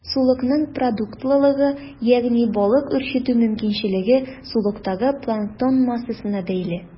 Сулыкның продуктлылыгы, ягъни балык үрчетү мөмкинчелеге, сулыктагы планктон массасына бәйле.